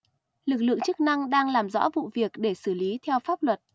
lực lượng chức năng đang làm rõ vụ việc để xử lý theo pháp luật